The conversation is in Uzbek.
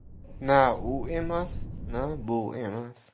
na u emas na bu emas